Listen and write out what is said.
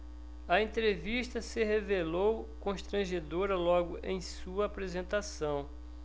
a entrevista se revelou constrangedora logo em sua apresentação